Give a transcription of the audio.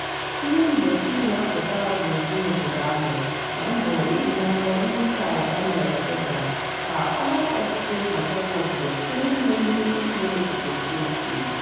Ihe mgbochi na-apụta gburugburu obodo ahụ na mbọ iji manye Onyeisiala Daniel Ortega ka ọ hapụ ọchịchị ma chekwaa obodo site n'ime ihe ike nke steeti.